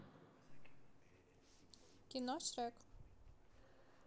кино шрек